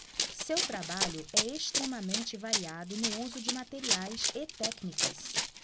seu trabalho é extremamente variado no uso de materiais e técnicas